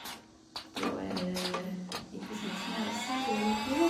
Da er det ikke så masse mer å si, egentlig.